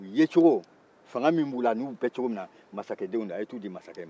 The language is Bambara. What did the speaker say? u yecogo fanga min b'u la an'u bɛ cogo min na a ye taa u di masakɛ ma